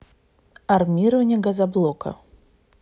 армирование газоблока